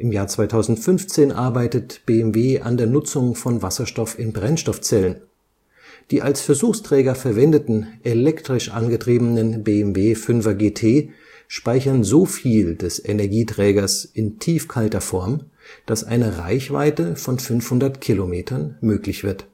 Jahr 2015 arbeitet BMW an der Nutzung von Wasserstoff in Brennstoffzellen. Die als Versuchsträger verwendeten elektrisch angetriebenen BMW 5er GT speichern so viel des Energieträgers in tiefkalter Form, dass eine Reichweite von 500 km möglich wird